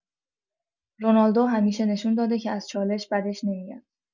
رونالدو همیشه نشون داده که از چالش بدش نمیاد.